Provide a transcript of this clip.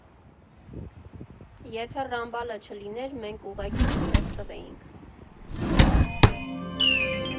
Եթե Ռամբալը չլիներ, մենք ուղղակի կխեղդվեինք։